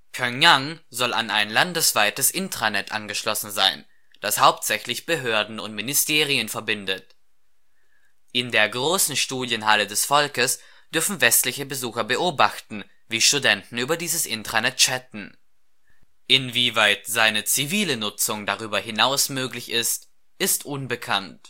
Pjöngjang soll an ein landesweites Intranet angeschlossen sein, das hauptsächlich Behörden und Ministerien verbindet. In der Großen Studienhalle des Volkes dürfen westliche Besucher beobachten, wie Studenten über dieses Intranet chatten. Inwieweit seine zivile Nutzung darüber hinaus möglich ist, ist unbekannt